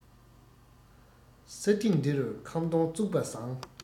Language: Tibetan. ས སྟེང འདི རུ ཁམ སྡོང བཙུགས པ བཟང